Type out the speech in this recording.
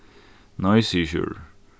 nei sigur sjúrður